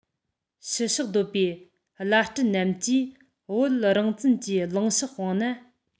ཕྱི ཕྱོགས སྡོད པའི བླ སྤྲུལ རྣམས ཀྱིས བོད རང བཙན གྱི ལངས ཕྱོགས སྤང ན